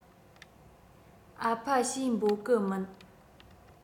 ཨ ཕ ཞེས འབོད གི མིན